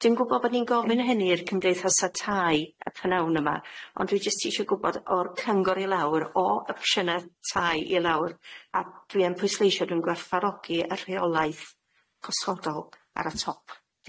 Dwi'n gwbo bo' ni'n gofyn hynny i'r cymdeithasa' tai y p'nawn yma ond dwi jyst isio gwbod o'r cyngor i lawr, o opsiyne tai i lawr a dwi yn pwysleisio dwi'n gwerthfawrogi y rheolaeth gosodol ar y top.